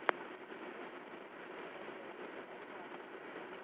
не откажусь от рафа